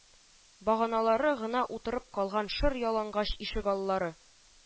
Баганалары гына утырып калган шыр ялангач ишегалла-ры